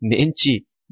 men chi